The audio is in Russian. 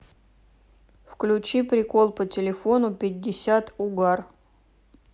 включи прикол по телефону пятьдесят угар